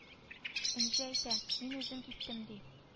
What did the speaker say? Энҗе әйтә мин үзем киттем ди